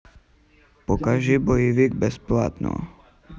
покажи боевик бесплатный